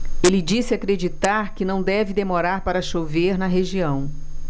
ele disse acreditar que não deve demorar para chover na região